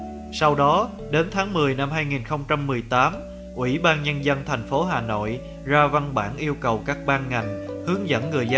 sau đó đến tháng ubnd thành phố hà nội ra văn bản yêu cầu các ban ngành hướng dẫn người dân